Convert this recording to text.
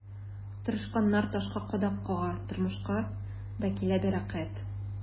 Тырышканнар ташка кадак кага, тормышка да килә бәрәкәт.